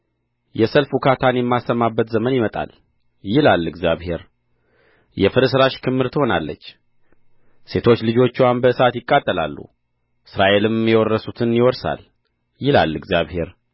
የሰልፍ ውካታን የማሰማበት ዘመን ይመጣል ይላል እግዚአብሔር የፍርስራሽ ክምርም ትሆናለች ሴቶች ልጆችዋም በእሳት ይቃጠላሉ እስራኤልም የወረሱትን ይወርሳል ይላል እግዚአብሔር